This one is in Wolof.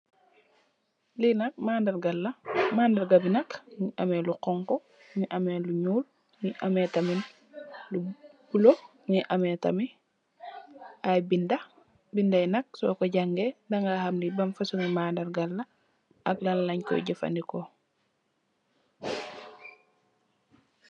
Lee nak mandargal la mandarga be nak munge ameh lu xonxo muge ameh lu nuul munge ameh tamin lu bulo muge ameh tamin aye binda binda ye nak soku jange daga ham lee ban fosunge manargal la ak lanlenkoye jufaneku.